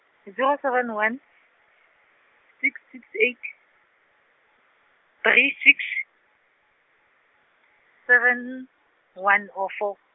zero seven one, six six eight, three six, seven, one oh four.